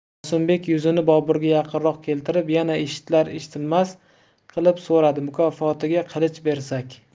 qosimbek yuzini boburga yaqinroq keltirib yana eshitilar eshitilmas qilib so'radi mukofotiga qilich bersak